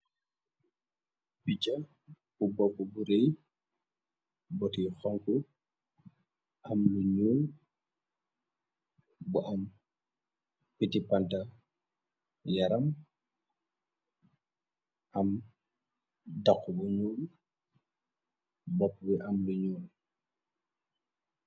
Pichai bu bopp bu rey, bot yu xonxo am lu ñuul, bu am piti panta yaram am daqu bu nuul, bopp bi am lu ñuul.